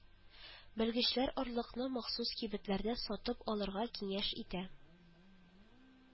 Белгечләр орлыкны махсус кибетләрдә сатып алырга киңәш итә